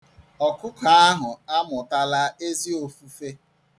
Ọkụkọ ahụ amụtala ezi ofufe.